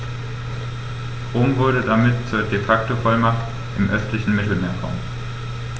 Rom wurde damit zur ‚De-Facto-Vormacht‘ im östlichen Mittelmeerraum.